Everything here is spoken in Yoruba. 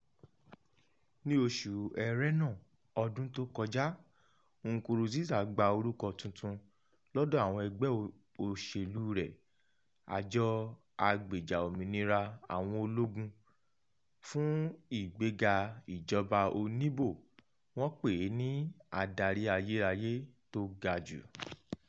Ní oṣù Ẹrẹ́nà ọdún tó kọjá, Nkurunziza gba orúkọ tuntun lọ́dọ̀ àwọn ẹgbẹ́ òṣèlúu rẹ̀, Àjọ Agbèjà Òmìnira Àwọn Ológun – Fún Ìgbéga Ìjọba Oníbò, wọ́n pè é ní “adarí ayérayé tó ga jù”.